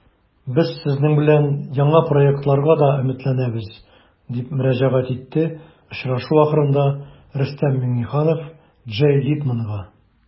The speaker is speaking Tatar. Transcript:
Без сезнең белән яңа проектларга да өметләнәбез, - дип мөрәҗәгать итте очрашу ахырында Рөстәм Миңнеханов Джей Литманга.